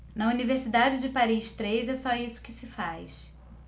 na universidade de paris três é só isso que se faz